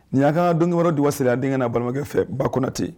Nin' ka dɔnkilikɔrɔ dugwase a denkɛna balimakɛfɛ ba kɔnɔ ten